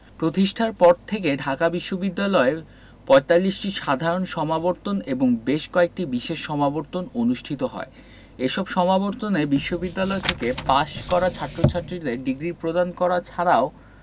প্রতিষ্ঠার পর থেকে ঢাকা বিশ্ববিদ্যালয়ে ৪৫টি সাধারণ সমাবর্তন এবং বেশ কয়েকটি বিশেষ সমাবর্তন অনুষ্ঠিত হয় এসব সমাবর্তনে বিশ্ববিদ্যালয় থেকে পাশ করা ছাত্রছাত্রীদের ডিগ্রি প্রদান করা ছাড়াও